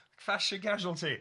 Fashion Casualty.